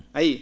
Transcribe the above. a yiyii